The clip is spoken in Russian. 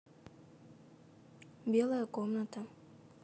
белая комната